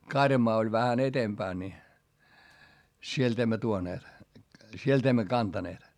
karjamaa oli vähän edempänä niin sieltä emme tuoneet sieltä emme kantaneet